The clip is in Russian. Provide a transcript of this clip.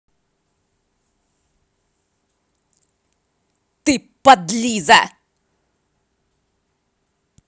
ты подлиза